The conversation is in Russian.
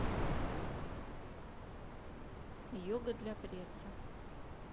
йога для пресса